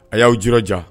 A y'aw ji diya